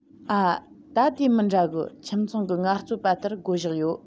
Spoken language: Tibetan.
ཨ དེ མི འདྲ གི ཁྱིམ ཚང གི ངལ རྩོལ པ ལྟར སྒོ བཞག ཡོད